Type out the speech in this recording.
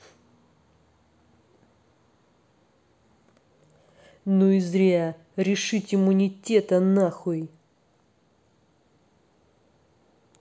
ну и зря решить иммунитета нахуй